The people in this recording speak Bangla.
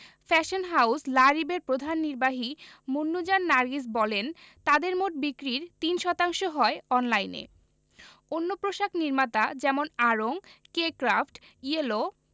ফ্যাশন হাউস লা রিবের প্রধান নির্বাহী মুন্নুজান নার্গিস বললেন তাঁদের মোট বিক্রির ৩ শতাংশ হয় অনলাইনে অন্য পোশাক নির্মাতা যেমন আড়ং কে ক্র্যাফট ইয়েলো